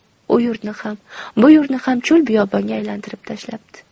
u yurtni ham bu yurtni ham cho'lbiyobonga aylantirib tashlabdi